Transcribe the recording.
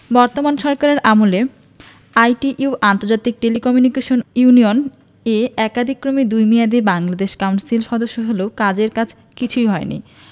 বর্তমান সরকারের আমলে আইটিইউ আন্তর্জাতিক টেলিকমিউনিকেশন ইউনিয়ন এ একাদিক্রমে দুই মেয়াদে বাংলাদেশ কাউন্সিল সদস্য হলেও কাজের কাজ কিছুই হয়নি